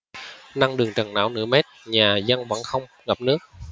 nâng đường trần não nửa mét nhà dân vẫn không ngập nước